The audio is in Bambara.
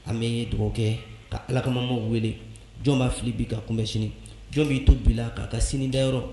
An bɛ dɔgɔkɛ ka ala kamamo wele jɔn b'a fili bi ka kunbɛn sini jɔn b'i to bila k'a ka sini da yɔrɔ